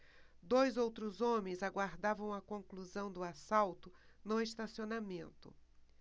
dois outros homens aguardavam a conclusão do assalto no estacionamento